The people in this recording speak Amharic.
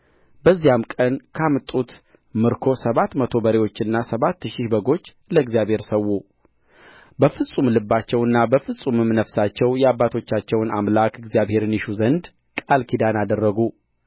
በዚያም ቀን ካመጡት ምርኮ ሰባት መቶ በሬዎችና ሰባት ሺህ በጎች ለእግዚአብሔር ሠዉ በፍጹም ልባቸውና በፍጹም ነፍሳቸው የአባቶቻቸውን አምላክ እግዚአብሔርን ይሹ ዘንድ ቃል ኪዳን አደረጉ